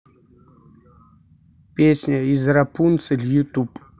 песня из рапунцель ютуб